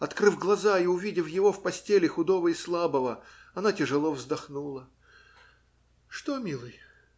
Открыв глаза и увидев его в постели, худого и слабого, она тяжело вздохнула. - Что милый?